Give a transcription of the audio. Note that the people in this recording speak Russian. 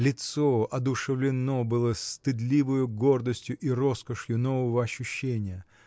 Лицо одушевлено было стыдливою гордостью и роскошью нового ощущения.